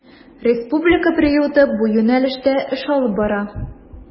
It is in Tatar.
Республика приюты бу юнәлештә эш алып бара.